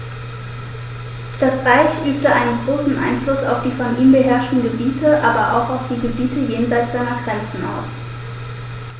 Das Reich übte einen großen Einfluss auf die von ihm beherrschten Gebiete, aber auch auf die Gebiete jenseits seiner Grenzen aus.